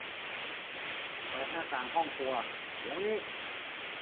เปิดหน้าต่างห้องครัวเดี๋ยวนี้